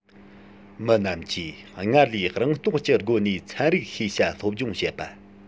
མི རྣམས ཀྱིས སྔར ལས རང རྟོགས ཀྱི སྒོ ནས ཚན རིག ཤེས བྱ སློབ སྦྱོང བྱེད པ